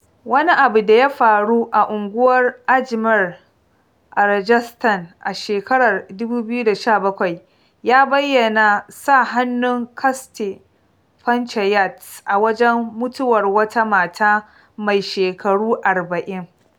Wani abu da ya faru a unguwar Ajmer a Rajasthan a shekarar 2017 ya bayyana sa hannun caste panchayats a wajen mutuwar wata mata mai shekaru 40.